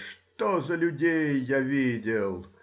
— что за людей я видел!